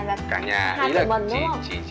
là cả chả ý là chỉ chỉ